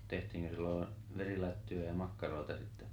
tehtiinkö silloin verilättyjä ja makkaroita sitten